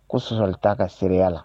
Ko sonsɔli t'a ka se la